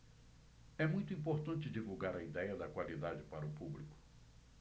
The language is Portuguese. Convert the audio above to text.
é muito importante divulgar a idéia da qualidade para o público